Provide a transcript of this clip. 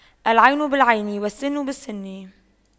العين بالعين والسن بالسن